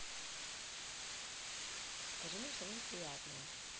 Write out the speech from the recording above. скажи мне что нибудь приятное